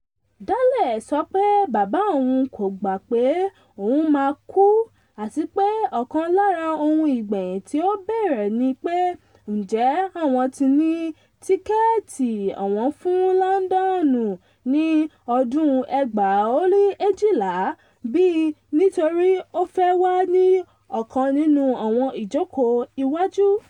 Daley sọ pé bàbá òun kò gbà pé òun máa kú àti pé ọ̀kan lára ohun ìgbẹ̀yìn tí ó bèèrè ni pé ǹjẹ́ àwọn ti ní tíkẹ́ẹ̀tì àwọn fún London 2012 bí - nítórí ó fẹ́ wà ní ọ̀kan nínú àwọn ìjókò ìwájú.